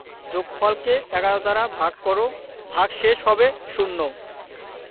যোগফল কে ১১ দ্বারা ভাগ কর ভাগশেষ হবে শূন্য